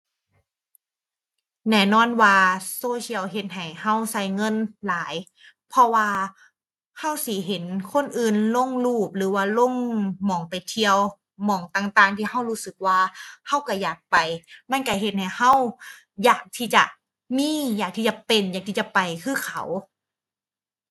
แน่นอนว่าโซเชียลเฮ็ดให้เราเราเงินหลาย เพราะว่าเราสิเห็นคนอื่นลงรูปหรือว่าลงหม้องไปเที่ยว หม้องต่างต่าง ที่เรารู้สึกว่าเราเราอยากไป มันเราเฮ็ดให้เราอยากที่จะมี อยากที่จะเป็น อยากที่จะไปคือเขา